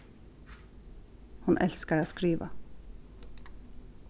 hon elskar at skriva